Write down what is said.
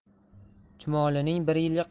chumolining bir yil